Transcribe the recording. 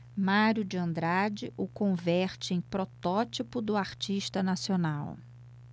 mário de andrade o converte em protótipo do artista nacional